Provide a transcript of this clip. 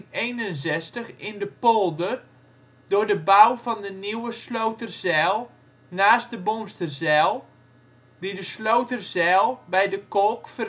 1561 in de polder door de bouw van de Nieuwe Sloterzijl (naast de Bomsterzijl), die de Sloterzijl bij De Kolk